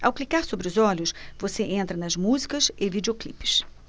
ao clicar sobre os olhos você entra nas músicas e videoclipes